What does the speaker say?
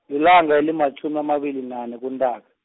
lilanga elimatjhumi amabili nane kuNtaka.